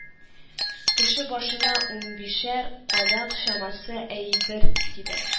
Кеше башына унбишәр кадак чамасы әйбер тиде